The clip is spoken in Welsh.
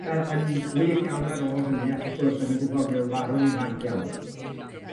yy yn wych iawn ar ôl hynny, ac wrth gwrs 'dan ni'n gwbod fu o farw'n ifanc iawn.